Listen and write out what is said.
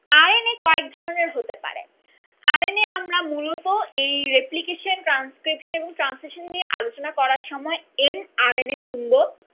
R N A কয়েক ধরনের হতে পারে আর এন এ আমরা মূলত এ রেপ্লিকেশন ট্রানস্ক্রিপশন এবং ট্রানসলেশন নিয়ে আলোচনা করার সময় এম আর এন এ শুনবো